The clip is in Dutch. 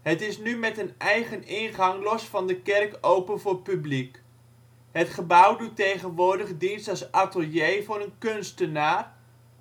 Het is nu met een eigen ingang los van de kerk open voor publiek. Het gebouw doet tegenwoordig dienst als atelier voor een kunstenaar,